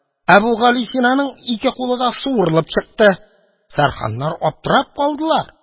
Әбүгалисинаның ике кулы да суырылып чыкты, сәрһаңнәр аптырап калдылар.